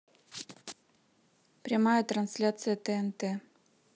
прямая трансляция тнт